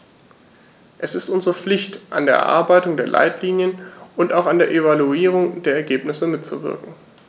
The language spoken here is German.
Es ist unsere Pflicht, an der Erarbeitung der Leitlinien und auch an der Evaluierung der Ergebnisse mitzuwirken.